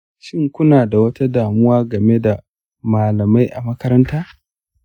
shin kuna da wata damuwa game da malamai a makaranta?